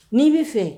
N'i bɛ fɛ